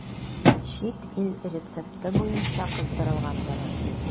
Чит ил рецепты буенча кыздырылган бәрәңге.